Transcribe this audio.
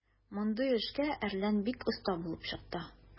Мондый эшкә "Әрлән" бик оста булып чыкты.